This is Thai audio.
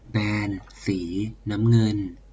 แบนสีน้ำเงิน